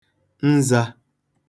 nzā